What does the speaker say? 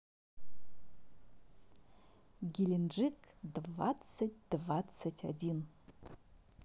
геленджик двадцать двадцать один